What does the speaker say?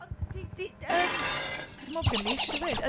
Ond di- di- yym... Dwi’n meddwl bod gynna fi issue efo hyn.